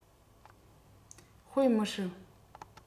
དཔེ མི སྲིད